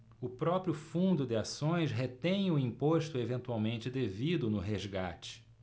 o próprio fundo de ações retém o imposto eventualmente devido no resgate